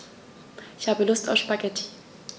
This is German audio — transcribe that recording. Ich habe Lust auf Spaghetti.